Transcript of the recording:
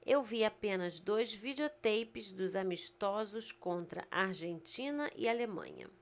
eu vi apenas dois videoteipes dos amistosos contra argentina e alemanha